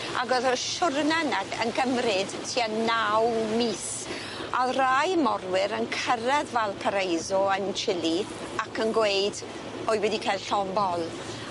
ag o'dd yr siwrne 'ny yn cymryd tua naw mis a o'dd rai morwyr yn cyrredd Valparaiso yn Chile ac yn gweud 'wy wedi cal llon' bol